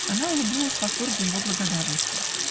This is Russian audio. Она улыбнулась восторгу его благодарности